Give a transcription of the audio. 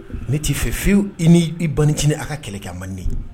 Ne t'i fɛ fiyewu i ni i banintinin a ka kɛlɛ kɛ man